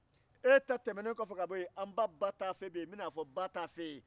e ta tɛmɛnen kɔ ka bɔ yen n bɛna a fɔ ba tafe ye